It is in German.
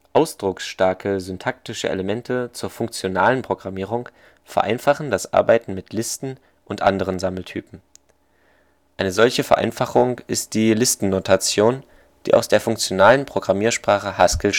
Ausdrucksstarke syntaktische Elemente zur funktionalen Programmierung vereinfachen das Arbeiten mit Listen und anderen Sammeltypen. Eine solche Vereinfachung ist die Listennotation, die aus der funktionalen Programmiersprache Haskell